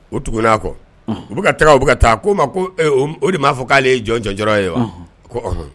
O tugura kɔ, unhun, u bɛka ka taga, u bɛ ka taa,a k'o de m'a fɔ k'ale ye jɔ jɔjɔrɔ ye wa?